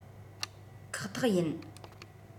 ཁག ཐེག ཡིན